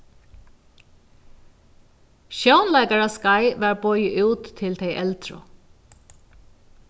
sjónleikaraskeið varð boðið út til tey eldru